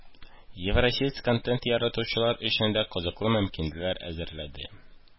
“евросеть” контент яратучылар өчен дә кызыклы мөмкинлекләр әзерләде